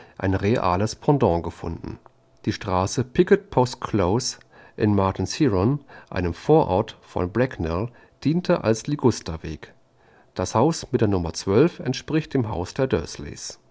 ein reales Pendant gefunden: Die Straße Picket Post Close in Martins Heron, einem Vorort von Bracknell, diente als Ligusterweg; das Haus mit der Nummer 12 entspricht dem Haus der Dursleys